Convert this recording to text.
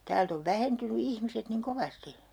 täältä on vähentynyt ihmiset niin kovasti